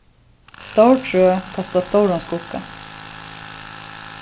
stór trø kasta stóran skugga